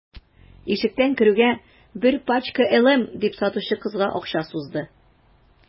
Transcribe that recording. Ишектән керүгә: – Бер пачка «LM»,– дип, сатучы кызга акча сузды.